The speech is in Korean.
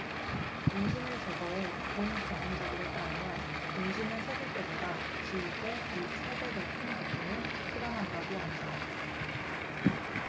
문신을 제거해 본 경험자들에 따르면 문신은 새길 때보다 지울 때 이 세 배 더 큰 고통을 수반한다고 한다